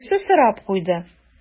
Тегесе сорап куйды: